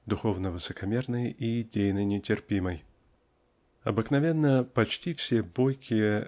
духовно-высокомерной и идейно-нетерпимой. Обыкновенно почтя все бойкие